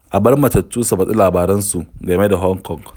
A bar matattu su faɗi labaransu game da Hong Kong